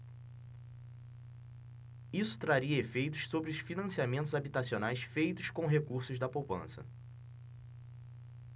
isso traria efeitos sobre os financiamentos habitacionais feitos com recursos da poupança